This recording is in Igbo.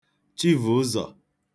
chivuụzọ̀